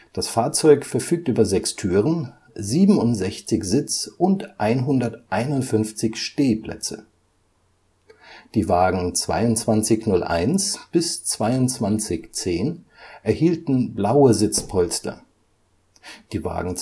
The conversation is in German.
Das Fahrzeug verfügt über sechs Türen, 67 Sitz - und 151 Stehplätze. Die Wagen 2201 bis 2210 erhielten blaue Sitzpolster, die Wagen